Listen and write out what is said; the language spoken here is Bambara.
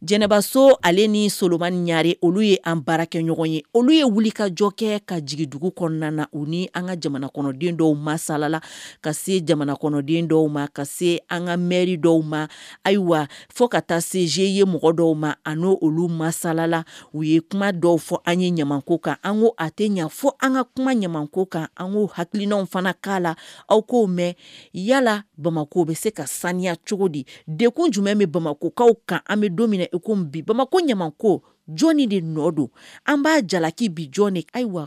Jɛnɛbaso ale ni soba ɲare olu ye an baara kɛ ɲɔgɔn ye olu ye wuli kajɔ kɛ ka jigin dugu kɔnɔna na u ni an ka jamana kɔnɔden dɔw masalala ka se jamana kɔnɔden dɔw ma ka se an ka m dɔw ma ayiwa fo ka taa se ze ye mɔgɔ dɔw ma ani n' olu masasalala u ye kuma dɔw fɔ an ye ɲako kan an ko a tɛ ɲɛ fɔ an ka kuma ɲama kan an hakilikiinaw fana k kan la aw k'o mɛn yalala bamakɔ bɛ se ka saniya cogo di de jumɛn bɛ bamakɔkaw kan an bɛ don min i ko bi bamakɔ ɲa jɔnni de nɔ don an b'a jalalaki bi jɔnni ayiwa